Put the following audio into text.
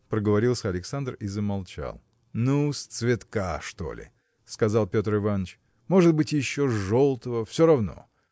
– проговорился Александр и замолчал. – Ну с цветка что ли – сказал Петр Иваныч – может быть еще с желтого все равно